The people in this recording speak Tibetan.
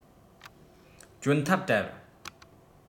གྱོན ཐབས བྲལ